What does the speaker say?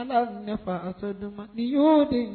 Ala ne an ne ni de